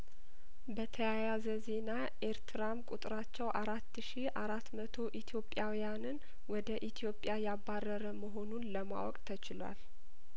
በተያያዘ ዜና ኤርትራም ቁጥራቸው አራት ሺ አራት መቶ ኢትዮጵያውያንን ወደ ኢትዮጵያ ያባረረ መሆኑን ለማውቅ ተችሏል